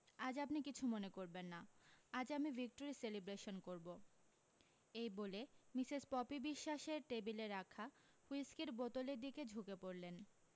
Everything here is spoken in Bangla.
আজ আপনি কিছু মনে করবেন না আজ আমি ভিক্টরি সেলিব্রেশন করবো এই বলে মিসেস পপি বিশ্বাসের টেবিলে রাখা হুইসকির বোতলের দিকে ঝুঁকে পড়লেন